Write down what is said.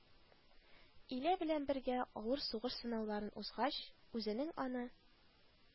Илә белән бергә авыр сугыш сынауларын узгач, үзенең аны